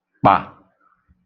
kpà